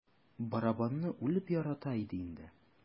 Барабанны үлеп ярата иде инде.